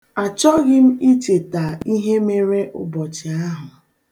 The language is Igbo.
Achọghị m icheta ihe mere ụbọchị ahụ.